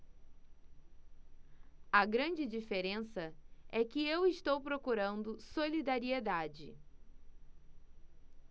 a grande diferença é que eu estou procurando solidariedade